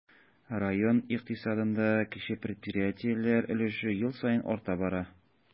Район икътисадында кече предприятиеләр өлеше ел саен арта бара.